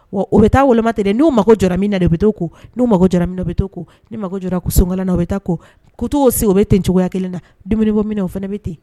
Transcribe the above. Wa u bɛ taa wolo ten n'u mago jɔ min na de bɛ to ko n'u mago jara bɛ to ni mako jɔ ko sunkala na o bɛ taa ko ko' sigi u bɛ ten cogoyaya kelen na dum bɔ min na o fana bɛ ten